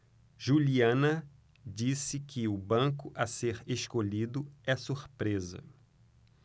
juliana disse que o banco a ser escolhido é surpresa